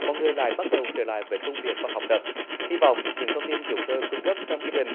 mọi người lại bắt đầu trở lại với công việc và học tập hy vọng những thông tin chúng tôi cung cấp trong chương trình